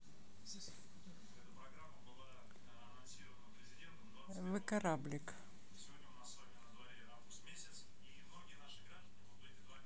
вы кораблик